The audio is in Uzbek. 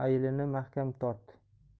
ayilini mahkam tort